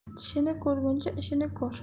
tishini ko'rguncha ishini ko'r